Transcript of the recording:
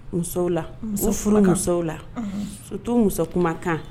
Musow la muso, u furumusow la surtout muso kumakan